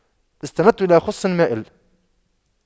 استندت إلى خصٍ مائلٍ